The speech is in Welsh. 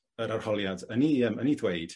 yr arholiad yn 'i yym yn 'i ddweud